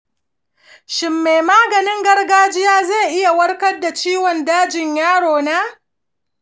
shin mai maganin gargajiya zai iya warkar da ciwon dajin yaro na?